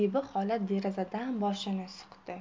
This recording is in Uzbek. zebi xola derazadan boshini suqdi